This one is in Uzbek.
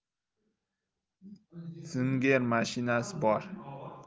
zinger mashinasi bor